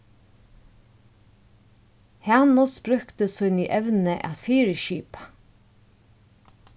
hanus brúkti síni evni at fyriskipa